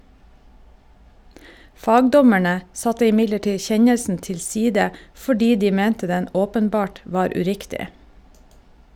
Fagdommerne satte imidlertid kjennelsen tilside, fordi de mente den åpenbart var uriktig.